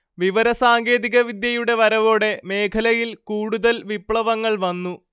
വിവരസാങ്കേതികവിദ്യയുടെ വരവോടെ മേഖലയിൽ കൂടുതൽ വിപ്ലവങ്ങൾ വന്നു